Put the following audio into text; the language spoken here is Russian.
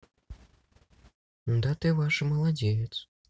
да ты ваши молодец